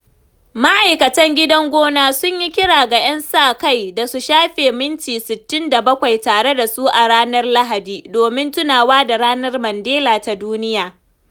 Ma'aikatan gidan gona sun yi kira ga 'yan sa-kai da su shafe minti 67 tare da su a ranar Lahadi, domin tunawa da Ranar Mandela ta Duniya.